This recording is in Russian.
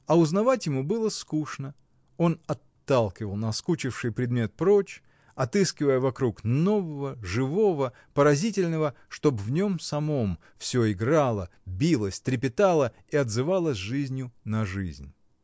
а узнавать ему было скучно, он отталкивал наскучивший предмет прочь, отыскивая вокруг нового, живого, поразительного, чтоб в нем самом всё играло, билось, трепетало и отзывалось жизнью на жизнь.